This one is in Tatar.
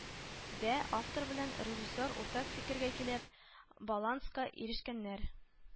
Дә автор белән режиссер уртак фикергә килеп, баланска ирешкәннәр